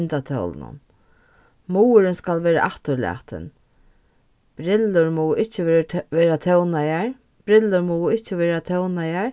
myndatólinum muðurin skal vera afturlatin brillur mugu ikki vera tónaðar brillur mugu ikki vera tónaðar